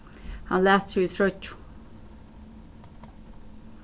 hann læt seg í troyggju